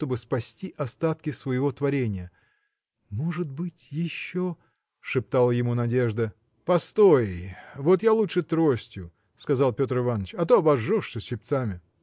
чтобы спасти остатки своего творения. Может быть, еще. – шептала ему надежда. – Постой вот я лучше тростью – сказал Петр Иваныч – а то обожжешься щипцами.